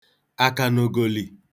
àkànòògòli